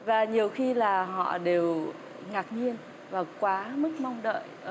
và nhiều khi là họ đều ngạc nhiên quá mức mong đợi ở